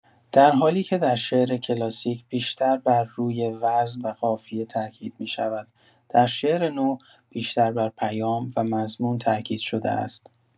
در حالی‌که در شعر کلاسیک بیشتر بر روی وزن و قافیه تاکید می‌شود، در شعر نو، بیشتر بر پیام و مضمون تاکید شده است.